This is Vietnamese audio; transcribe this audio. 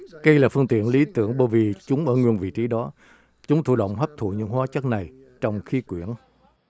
cây là phương tiện lý tưởng bởi vì chúng ở nguyên vị trí đó chúng thụ động hấp thụ những hóa chất này trong khí quyển